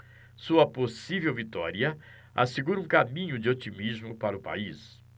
sua possível vitória assegura um caminho de otimismo para o país